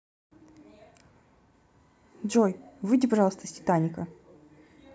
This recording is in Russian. джой выйди пожалуйста из титаника